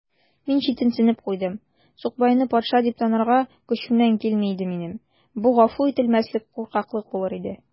Мин читенсенеп куйдым: сукбайны патша дип танырга көчемнән килми иде минем: бу гафу ителмәслек куркаклык булыр иде.